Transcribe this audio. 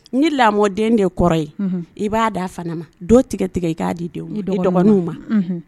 Ni lamɔ den de kɔrɔ ye i b'a da a fana ma tigɛ tigɛ i k'a di dɔgɔninw ma